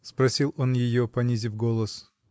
-- спросил он ее, понизив голос.